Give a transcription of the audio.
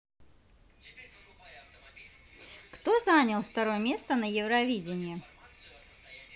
кто занял второе место на евровидении